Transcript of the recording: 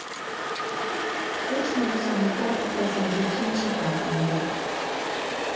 Ոչ մի լուսանկար ու տեսագրություն չի պահպանվել։